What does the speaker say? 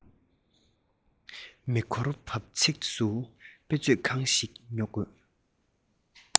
མེ འཁོར འབབ ཚིགས སུ དཔེ ཚོང ཁང ཞིག ཉོ དགོས